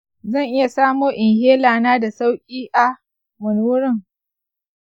zan iya samo inhaler na da sauki ah wani wurin?